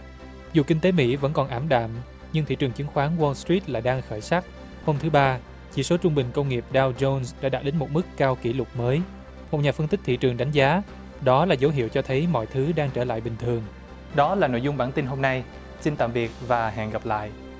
dù kinh tế mỹ vẫn còn ảm đạm nhưng thị trường chứng khoán quô sít là đang khởi sắc hôm thứ ba chỉ số trung bình công nghiệp đao dôn đã đạt đến một mức cao kỷ lục mới một nhà phân tích thị trường đánh giá đó là dấu hiệu cho thấy mọi thứ đang trở lại bình thường đó là nội dung bản tin hôm nay xin tạm biệt và hẹn gặp lại